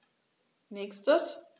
Nächstes.